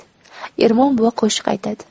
ermon buva qo'shiq aytadi